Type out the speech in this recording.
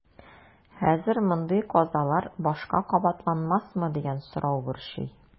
Хәзер мондый казалар башка кабатланмасмы дигән сорау борчый.